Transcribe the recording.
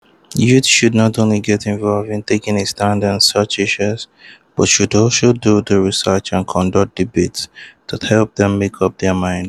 Youth should not only get involved in taking a stand on such issues, but should also do the research and conduct debates that help them make up their minds.